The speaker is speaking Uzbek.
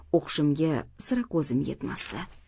o'qishimga sira ko'zim yetmasdi